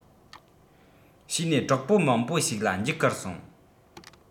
བྱས ནས གྲོགས པོ མང པོ ཞིག ལ འཇིགས སྐུལ སོང